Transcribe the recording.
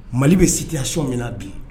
Mali bɛ siya so min bi